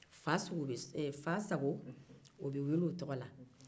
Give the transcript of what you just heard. fasago bɛ weele o tɔgɔ la